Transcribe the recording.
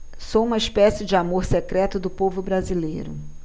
sou uma espécie de amor secreto do povo brasileiro